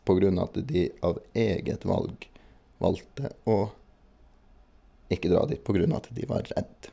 På grunn av at de av eget valg valgte å ikke dra dit, på grunn av at de var redd.